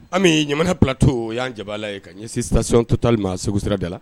Ami ɲamana plateau o y'an jabala ye ka ɲɛsin station tatol ma Segu sira da la